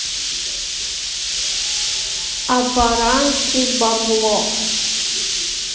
abaranci бабло